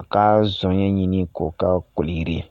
A kasonya ɲini k'o ka koiri